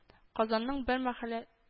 Казанның бер мәхәллә